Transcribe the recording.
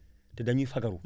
te dañuy fagaru